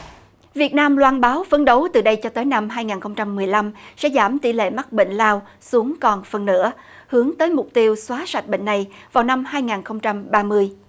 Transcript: việt nam loan báo phấn đấu từ đây cho tới năm hai ngàn không trăm mười lăm sẽ giảm tỷ lệ mắc bệnh lao xuống còn phân nửa hướng tới mục tiêu xóa sạch bệnh này vào năm hai ngàn không trăm ba mươi